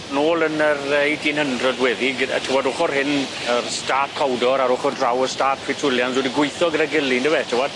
Nôl yn yr yy eighteen hundred weddy gyd- yy t'wod ochor hyn yy Star Cowdor ar ochor draw y Star Pretulians wedi gweitho gyda'i gily yndyfe t'wod?